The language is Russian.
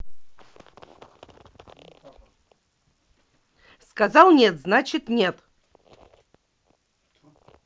сказал нет значит нет